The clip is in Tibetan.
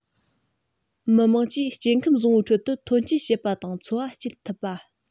མི དམངས ཀྱིས སྐྱེ ཁམས བཟང པོའི ཁྲོད དུ ཐོན སྐྱེད བྱེད པ དང འཚོ བ སྐྱེལ ཐུབ པ